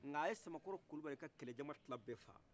nga a ye samakɔrɔ kulibali ka kɛlɛjaman tilan bɛɛ faga